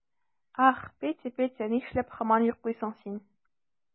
Ах, Петя, Петя, нишләп һаман йоклыйсың син?